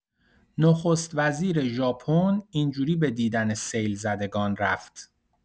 نخست‌وزیر ژاپن این جوری به دیدن سیل‌زدگان رفت؛